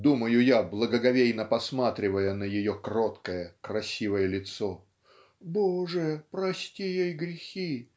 думаю я, благоговейно посматривая на ее кроткое, красивое лицо. "Боже, прости ей грехи!